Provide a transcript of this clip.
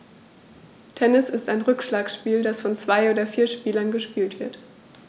Tennis ist ein Rückschlagspiel, das von zwei oder vier Spielern gespielt wird.